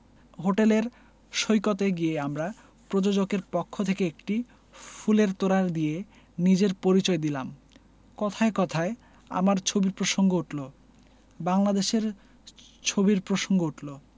হোটেলের সৈকতে গিয়ে আমরা প্রযোজকের পক্ষ থেকে একটি ফুলের তোড়া দিয়ে নিজের পরিচয় দিলাম কথায় কথায় আমার ছবির প্রসঙ্গ উঠলো বাংলাদেশের ছবির প্রসঙ্গ উঠলো